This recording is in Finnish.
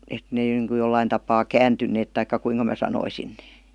että ne niin kuin jollakin tapaa kääntyneet tai kuinka minä sanoisin ne